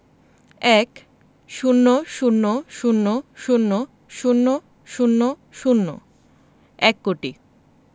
১০০০০০০০ এক কোটি